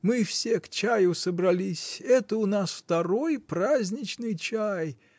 Мы все к чаю собрались; это у нас второй, праздничный чай.